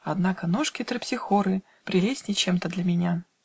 Однако ножка Терпсихоры Прелестней чем-то для меня.